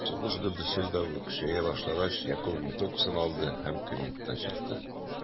Сугыш гөрселдәве көчәя башлагач, Якуб винтовкасын алды һәм кабинеттан чыкты.